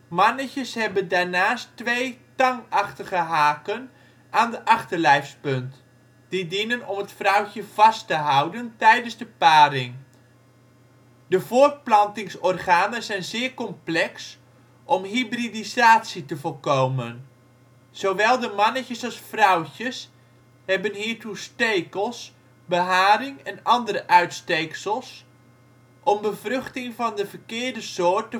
Mannetjes hebben daarnaast twee tang-achtige haken aan de achterlijfspunt, die dienen om het vrouwtje vast te houden tijdens de paring. De voortplantingsorganen zijn zeer complex om hybridisatie te voorkomen, zowel de mannetjes als vrouwtjes hebben hiertoe stekels, beharing en andere uitsteeksels om bevruchting van de verkeerde soort